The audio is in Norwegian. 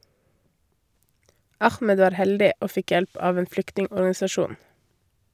Ahmed var heldig, og fikk hjelp av en flyktningorganisasjon.